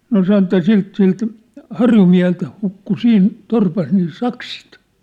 no sanoi että siltä siltä harjumieheltä hukkui siinä torpassa niin sakset